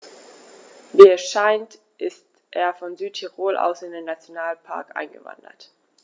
Wie es scheint, ist er von Südtirol aus in den Nationalpark eingewandert.